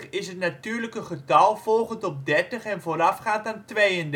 is het natuurlijke getal volgend op 30 en voorafgaand aan 32.